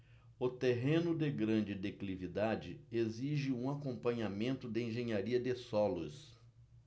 o terreno de grande declividade exige um acompanhamento de engenharia de solos